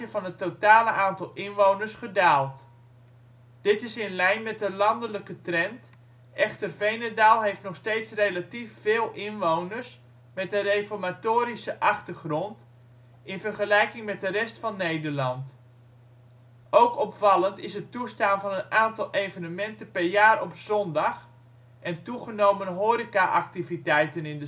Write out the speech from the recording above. van het totaal aantal inwoners gedaald. Dit is in lijn met de landelijke trend, echter Veenendaal heeft nog steeds relatief veel inwoners met een reformatorische achtergrond in vergelijking met de rest van Nederland. Ook opvallend is het toestaan van een aantal evenementen per jaar op zondag, en toegenomen horeca-activiteiten in